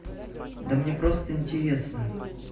да мне просто интересно